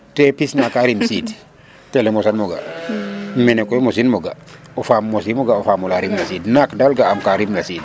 te pis na ka rim siid télé mosaan mo ga' de mene koy mosiinum o ga' o faam mosim o ga' o faam ola rimna siid naak dal ga'a ka rimna siid.